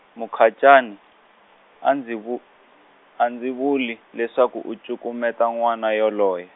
Mukhacani, a ndzi vu-, a ndzi vuli leswaku u cukumeta n'wana yoloye.